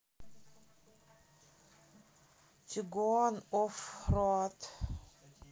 тигуан офф роад